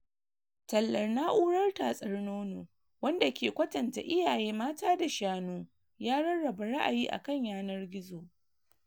Tallar Nau’rar tatsar nono wanda ke kwatanta iyaye mata da shanu ya rarraba ra'ayi a kan yanar gizo